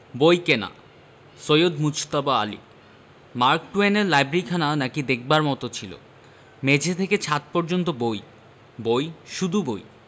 বইকেনা Syed Mujtaba Ali Mark টুয়েনের লাইব্রেরিখানা নাকি দেখবার মত ছিল মেঝে থেকে ছাত পর্যন্ত বই বই শুধু বই